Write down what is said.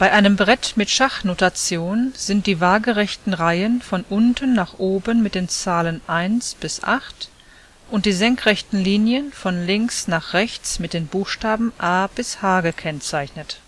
einem Brett mit Schachnotation sind die waagerechten Reihen von unten nach oben mit den Zahlen 1 bis 8 und die senkrechten Linien von links nach rechts mit den Buchstaben a bis h gekennzeichnet